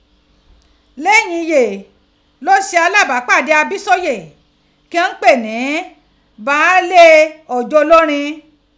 Leyìn yee ló ṣe alábàpádé Abísóyè kí ghan ń pè ni Baálè ó jolórín.